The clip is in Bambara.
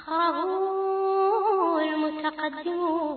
Faama mɔ